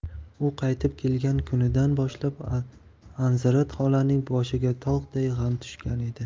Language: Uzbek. u qaytib kelgan kunidan boshlab anzirat xolaning boshiga tog'day g'am tushgan edi